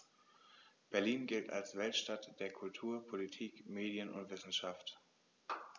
Berlin gilt als Weltstadt der Kultur, Politik, Medien und Wissenschaften.